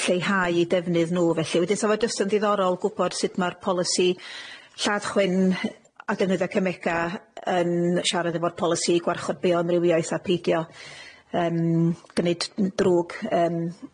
lleihau 'u defnydd nw felly. Wedyn 'sa fo jyst yn ddiddorol gwbod sud ma'r polisi lladd chwyn a defnyddio cemega yn siarad efo'r polisi gwarchod bioamrywiaeth, a peidio yym gneud n- drwg yym.